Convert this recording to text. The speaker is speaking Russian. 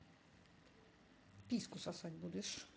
писку сосать будешь